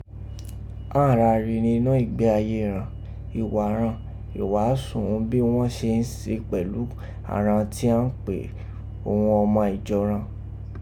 án ra ri ninọ́ igbe aye ghan, iwa ghan, iwaasu òghun bi won se n se pelu àghan ti án pe ghun ọma ijo ghan.